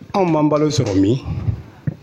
Anw maan balo sɔrɔ min